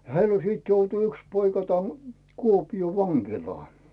heillä - sitten joutui yksi poika tänne Kuopioon vankilaan